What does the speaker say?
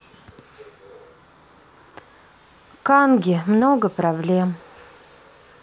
канги много проблем